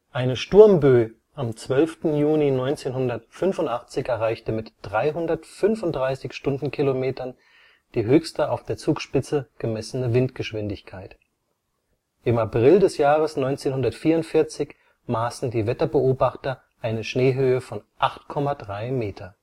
Eine Sturmbö am 12. Juni 1985 erreichte mit 335 km/h die höchste auf der Zugspitze gemessene Windgeschwindigkeit. Im April des Jahres 1944 maßen die Wetterbeobachter eine Schneehöhe von 8,3 m